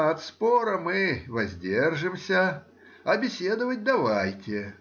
От спора мы воздержимся, а беседовать — давайте.